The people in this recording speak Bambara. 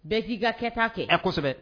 Bɛɛ b'i ka kɛta kɛ a kosɛbɛ